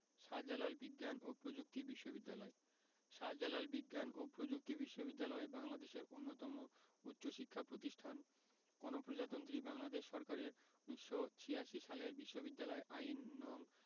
শাহ্জালাল বিজ্ঞান ও প্রযুক্তি বিশ্ববিদ্যালয় শাহ্জালাল বিজ্ঞান ও প্রযুক্তি বিশ্ববিদ্যালয় বাংলাদেশের অন্যতম উচ্চশিক্ষা প্রতিষ্ঠান গণপ্রজাতন্ত্রী বাংলাদেশ সরকারের ১৯৮৬ সালের বিশ্ববিদ্যালয় আইন নং